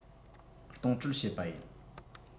གཏོང སྤྲོད བྱེད པ ཡིན